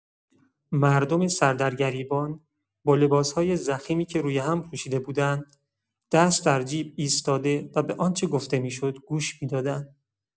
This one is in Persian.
مردم سر در گریبان با لباس‌های ضخیمی که روی‌هم پوشیده بودند، دست‌درجیب ایستاده و به آنچه گفته می‌شد گوش می‌دادند.